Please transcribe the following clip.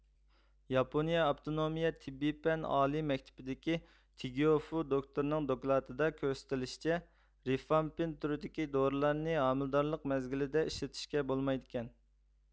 ياپونىيە ئاپتونومىيە تېببىي پەن ئالىي مەكتىپىدىكى تېگيوفو دوكتورنىڭ دوكلاتىدا كۆرسىتىلىشىچە رىفامپىن تۈرىدىكى دورىلارنى ھامىلىدارلىق مەزگىلىدە ئىشلىتىشكە بولمايدىكەن